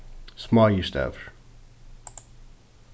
smáir stavir